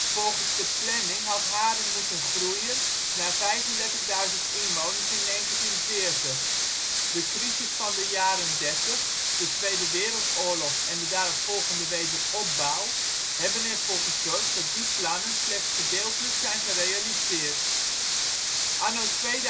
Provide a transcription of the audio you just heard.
Volgens de planning had Haren moeten groeien naar 35.000 inwoners in 1940. De crisis van de jaren 30, de Tweede Wereldoorlog en de daaropvolgende wederopbouw hebben ervoor gezorgd dat die plannen slechts gedeeltelijk zijn gerealiseerd. Anno 2008